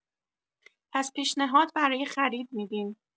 پس پیشنهاد برای خرید می‌دین